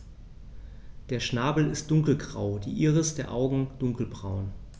Der Schnabel ist dunkelgrau, die Iris der Augen dunkelbraun.